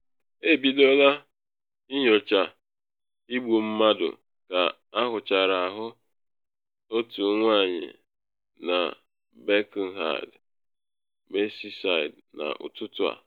Ebidola nnyocha igbu mmadụ ka ahụchara ahụ otu nwanyị na Birkenhard, Merseyside n’ụtụtụ a.